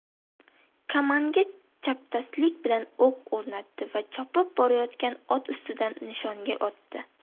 kamonga chapdastlik bilan o'q o'rnatdi va chopib borayotgan ot ustidan nishonga otdi